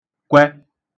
kwẹ